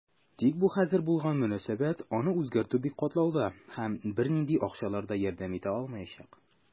Тик бу хәзер булган мөнәсәбәт, аны үзгәртү бик катлаулы, һәм бернинди акчалар да ярдәм итә алмаячак.